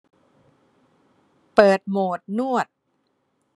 เปิดโหมดนวด